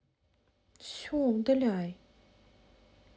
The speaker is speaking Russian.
все удаляй